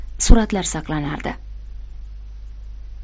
suratlar saqlanardi